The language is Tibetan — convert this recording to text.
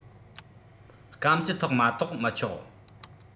སྐམ སའི ཐོག མ གཏོག མི ཆོག